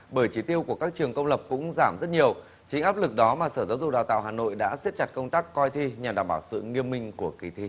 bởi chỉ tiêu của các trường công lập cũng giảm rất nhiều chính áp lực đó mà sở giáo dục đào tạo hà nội đã siết chặt công tác coi thi nhằm đảm bảo sự nghiêm minh của kỳ thi